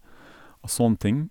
Og sånne ting.